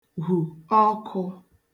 hù ọkụ̄